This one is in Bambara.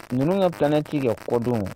Ninnu ka ka kɔdon